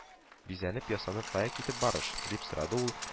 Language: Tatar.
Бизәнеп-ясанып кая китеп барыш, — дип сорады ул